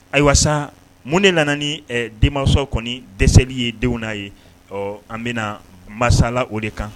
Ayiwa sa mun de nana ni denmansaw kɔni dɛsɛli ye denw na ye. Ɔɔ an bɛ na masala o de kan.